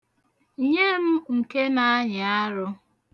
Nye m nke na-anyị arụ.